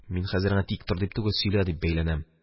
Мин хәзер аңа «тик тор» дип түгел, «сөйлә» дип бәйләнәм.